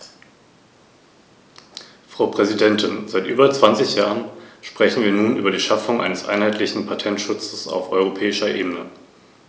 Der Bericht, den wir heute behandeln, hat im Grunde genommen keine großen Erneuerungen zur Folge, da die meisten Abänderungsanträge rein technischer Natur sind.